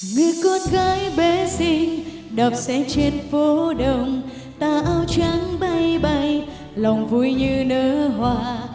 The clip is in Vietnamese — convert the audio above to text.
người con gái bé xinh đạp xe trên phố đông tà áo trắng bay bay lòng vui như nở hoa